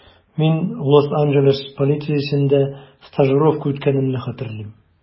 Мин Лос-Анджелес полициясендә стажировка үткәнемне хәтерлим.